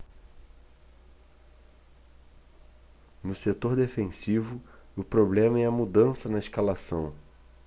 no setor defensivo o problema é a mudança na escalação